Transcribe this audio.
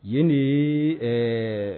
Yen de ye ɛɛ